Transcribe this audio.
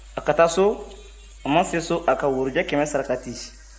a ka taa so a mana se so a ka worojɛ kɛmɛ sarakati